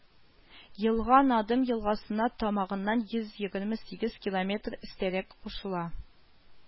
Елга Надым елгасына тамагыннан йөз егерме сигез километр өстәрәк кушыла